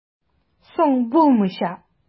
Соң, булмыйча!